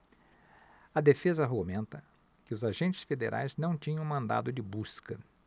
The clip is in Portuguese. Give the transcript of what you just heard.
a defesa argumenta que os agentes federais não tinham mandado de busca